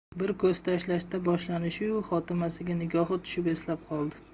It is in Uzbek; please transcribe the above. bir ko'z tashlashda boshlanishiyu xotimasiga nigohi tushib eslab qoldi